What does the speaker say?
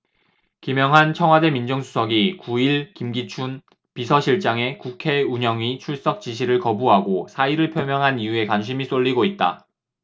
김영한 청와대 민정수석이 구 일 김기춘 비서실장의 국회 운영위 출석 지시를 거부하고 사의를 표명한 이유에 관심이 쏠리고 있다